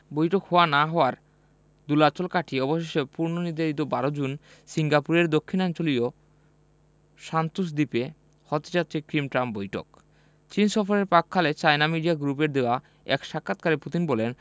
বৈঠক হওয়া না হওয়ার দোলাচল কাটিয়ে অবশেষে পূর্বনির্ধারিত ১২ জুন সিঙ্গাপুরের দক্ষিণাঞ্চলীয় সান্তোসা দ্বীপে হতে যাচ্ছে কিম ট্রাম্প বৈঠক চীন সফরের প্রাক্কালে চায়না মিডিয়া গ্রুপকে দেওয়া এক সাক্ষাৎকারে পুতিন বলেন